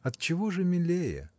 Отчего же милее?